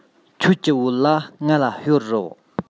ཁྱོད ཀྱི བོད ལྭ ང ལ གཡོར རོགས